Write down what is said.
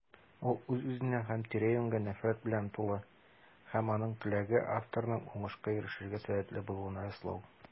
Ул үз-үзенә һәм тирә-юньгә нәфрәт белән тулы - һәм аның теләге: авторның уңышка ирешергә сәләтле булуын раслау.